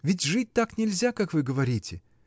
ведь жить так нельзя, как вы говорите.